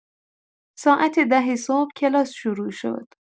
ساعت ده صبح کلاس شروع شد.